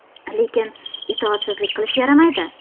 lekin itoatsizlik qilish yaramaydi